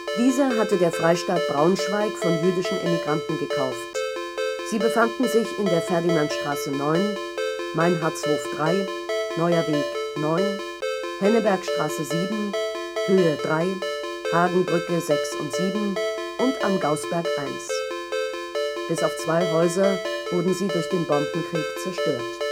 Diese hatte der Freistaat Braunschweig von jüdischen Emigranten gekauft. Sie befanden sich in der Ferdinandstraße 9, Meinhardshof 3, Neuer Weg 9, Hennebergstraße 7, Höhe 3, Hagenbrücke 6/7 und Am Gaußberg 1. Bis auf zwei Häuser wurden sie durch den Bombenkrieg zerstört